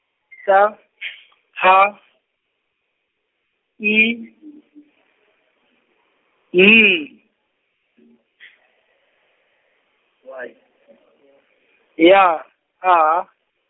K H I N Y A.